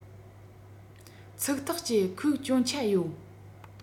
ཚིག ཐག བཅད ཁོས སྐྱོན ཆ ཡོད